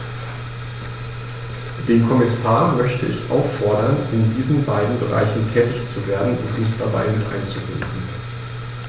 Den Kommissar möchte ich auffordern, in diesen beiden Bereichen tätig zu werden und uns dabei mit einzubinden.